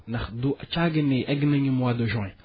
ndax du caagin ne egg nañu mois de juin